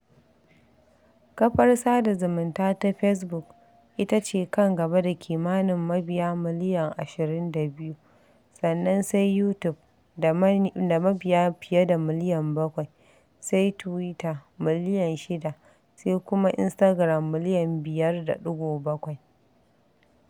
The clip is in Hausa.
Kafar sada zumunta ta Facebook ita ce kan gaba da kimanin mabiya miliyan 22, sannan sai YouTube (da mabiya fiye da miliyan 7), sai Twitter (Miliyan 6) sai kuma Instagram (milyan 5.7).